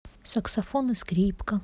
саксофон и скрипка